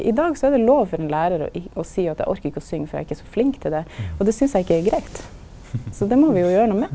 i dag så er det lov for ein lærar å å seia at eg orkar ikkje og synga for eg ikkje er så flink til det, og det synest eg ikkje er greitt, så det må vi jo gjera noko med.